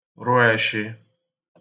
rụ ẹshị